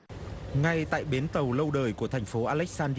ngay tại bến tàu lâu đời của thành phố a lếch san